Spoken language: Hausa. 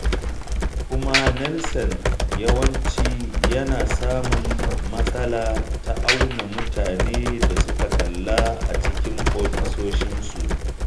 Kuma Nielsen yawanci yana samun matsala ta auna mutane da suka kalla a cikin ofisoshinsu.